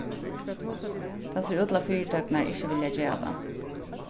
tað sær út til at fyritøkurnar ikki vilja gera tað